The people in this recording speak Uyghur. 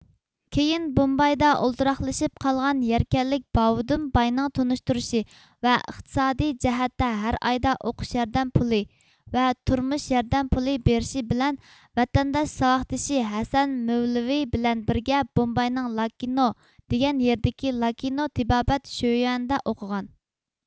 كېيىن بومبايدا ئولتۇراقلىشىپ قالغان يەركەنلىك باۋۇدۇن باينىڭ تونۇشتۇرۇشى ۋە ئىقتىسادىي جەھەتتە ھەر ئايدا ئوقۇش ياردەم پۇلى ۋە تۇرمۇش ياردەم پۇلى بېرىشى بىلەن ۋەتەنداش ساۋاقدىشى ھەسەن مۆۋلىۋى بىلەن بىرگە بومباينىڭ لاكىنو دىگەن يېرىدىكى لاكىنو تېبابەت شۆيۈەنىدە ئوقۇغان